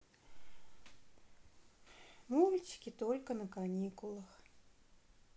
мультики только на каникулах